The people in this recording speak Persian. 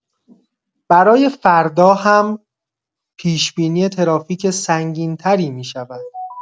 برای فردا هم پیش‌بینی ترافیک سنگین‌تری می‌شود.